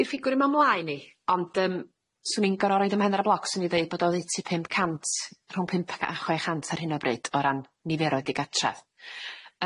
'Di'r ffigwr 'im o mlaen i ond yym 'swn i'n gor'o' roid ym mhen ar y bloc 'swn i'n deud bod o oddeutu pump cant rhwng pump a chwe chant ar hyn o bryd o ran niferoedd digartraf.